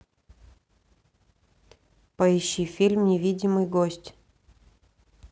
поищи фильм невидимый гость